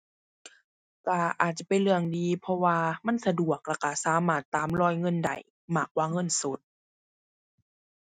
ก็อาจจะเป็นเรื่องดี เพราะว่ามันสะดวก แล้วก็สามารถตามรอยเงินได้มากกว่าเงินสด